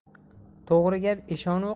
to'g'ri gap eshon